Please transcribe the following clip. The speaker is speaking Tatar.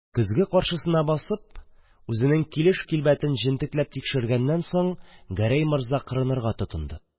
Көзге каршына басып үзенең килеш-килбәтен җентекләп тикшергәннән соң Гәрәй морза кырынырга тотынды.